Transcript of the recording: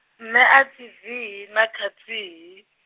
nṋe a thi vhi na khathihi.